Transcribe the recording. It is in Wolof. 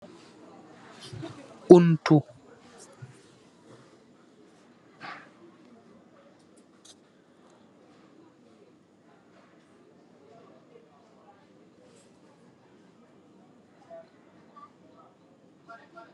Buntu